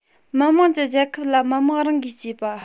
མི དམངས ཀྱི རྒྱལ ཁབ ལ མི དམངས རང གིས གཅེས པ